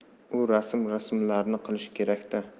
u rasm rusmlarni qilish kerak da